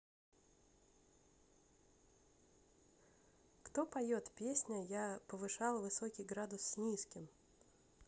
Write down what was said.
кто поет песню я повышал высокий градус с низким